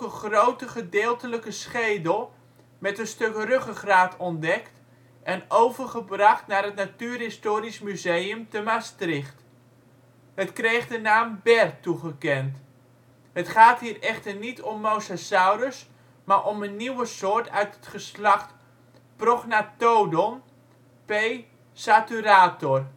grote gedeeltelijke schedel met een stuk ruggengraat ontdekt en overgebracht naar het Natuurhistorisch Museum te Maastricht. Het kreeg de naam Bèr toegekend. Het gaat hier echter niet om Mosasaurus maar om een nieuwe soort uit het geslacht Prognathodon: P. saturator